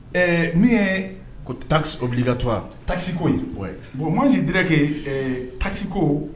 Ɛɛ min yee ko taxe obligatoire taxe ko in ouai bon moi je dirai que ee taxe koo